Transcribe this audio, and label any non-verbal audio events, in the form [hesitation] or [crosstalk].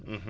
[hesitation] [hesitation]